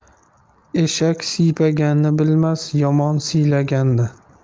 eshak siypaganni bilmas yomon siylaganni